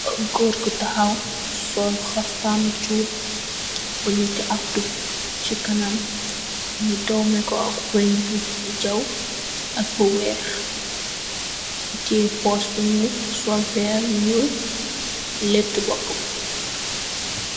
ak goor ku tahaw sol xarfftan chop bu nati abdou ci kaanam ni dawwmeh ko ak ween bu jaw ak bu weex teh purse bu nuul sol weer yu nuul letu bopo bi.